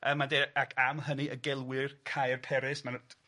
Yy ma' deud ag am hynny y gelwir Cae y Perys ma' nw